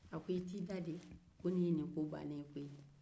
a ko i t'i da den nin ye nin ko bannen ye koyi